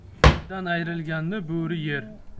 eldan ayrilganni bo'ri yer